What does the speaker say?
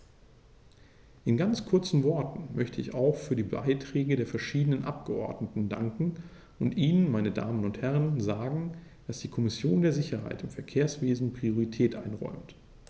In ganz kurzen Worten möchte ich auch für die Beiträge der verschiedenen Abgeordneten danken und Ihnen, meine Damen und Herren, sagen, dass die Kommission der Sicherheit im Verkehrswesen Priorität einräumt.